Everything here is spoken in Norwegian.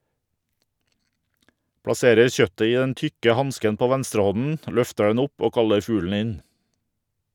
Plasserer kjøttet i den tykke hansken på venstrehånden, løfter den opp og kaller fuglen inn.